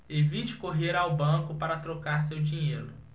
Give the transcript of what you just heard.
evite correr ao banco para trocar o seu dinheiro